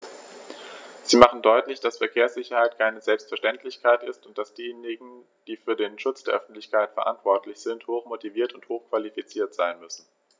Sie machen deutlich, dass Verkehrssicherheit keine Selbstverständlichkeit ist und dass diejenigen, die für den Schutz der Öffentlichkeit verantwortlich sind, hochmotiviert und hochqualifiziert sein müssen.